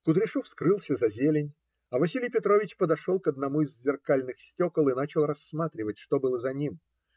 Кудряшов скрылся за зелень, а Василий Петрович подошел к одному из зеркальных стекол и начал рассматривать, что было за ним.